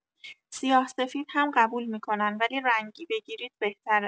سیاه سفید هم قبول می‌کنن ولی رنگی بگیرید بهتره